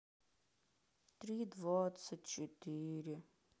три двадцать четыре